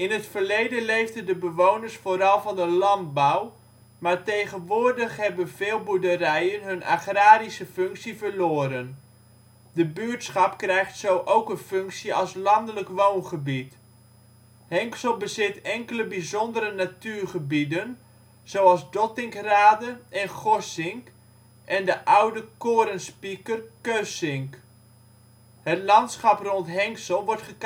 het verleden leefden de bewoners vooral van de landbouw maar tegenwoordig hebben veel boerderijen hun agrarische functie verloren. De buurtschap krijgt zo ook een functie als landelijk woongebied. Henxel bezit enkele bijzondere natuurgebieden, zoals Dottinkrade en Gossink, en de oude korenspieker Kössink. Het landschap rond Henxel wordt